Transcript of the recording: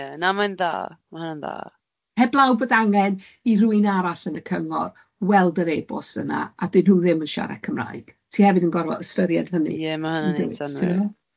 Ie na, mae'n dda, mae hynna'n dda. Heblaw bod angen i rywun arall yn y cyngor weld yr e-bost yna a dydyn nhw ddim yn siarad Cymraeg. Ti hefyd yn gorfod ystyried hynny. Ie, ma' hynna'n neud synnwyr. Yndywyt, ti'n gwybod?